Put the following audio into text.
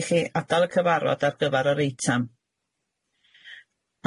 i chi adal y cyfarfod ar gyfer yr eitam.